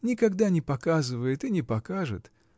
Никогда не показывает и не покажет!